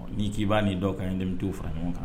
N'i k'i b'a dɔw kan ye ne bɛ t' u fara ɲɔgɔn kan